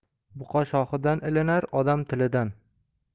buqa shoxidan ilinar odam tilidan